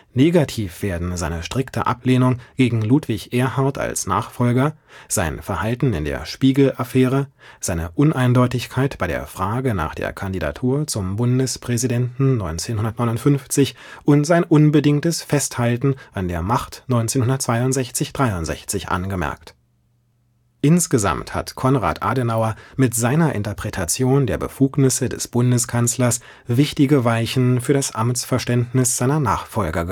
Negativ werden seine strikte Ablehnung gegen Ludwig Erhard als Nachfolger, sein Verhalten in der Spiegel-Affäre, seine Uneindeutigkeit bei der Frage nach der Kandidatur zum Bundespräsidenten 1959 und sein unbedingtes Festhalten an der Macht 1962 / 63 angemerkt. Insgesamt hat Konrad Adenauer mit seiner Interpretation der Befugnisse des Bundeskanzlers wichtige Weichen für das Amtsverständnis seiner Nachfolger